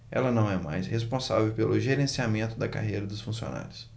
ela não é mais responsável pelo gerenciamento da carreira dos funcionários